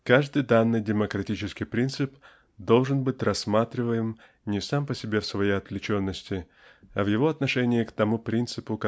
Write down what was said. "каждый данный демократический принцип должен быть рассматриваем не сам по себе в своей отвлеченности а в его отношении к тому принципу